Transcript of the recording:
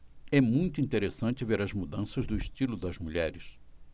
é muito interessante ver as mudanças do estilo das mulheres